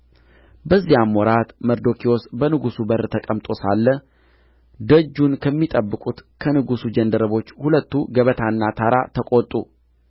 በዚያም ወራት መርዶክዮስ በንጉሡ በር ተቀምጦ ሳለ ደጁን ከሚጠብቁት ከንጉሡ ጃንደረቦች ሁለቱ ገበታና ታራ ተቈጡ